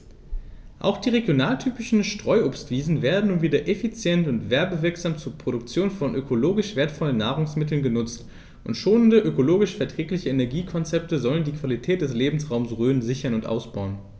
Auch die regionaltypischen Streuobstwiesen werden nun wieder effizient und werbewirksam zur Produktion von ökologisch wertvollen Nahrungsmitteln genutzt, und schonende, ökologisch verträgliche Energiekonzepte sollen die Qualität des Lebensraumes Rhön sichern und ausbauen.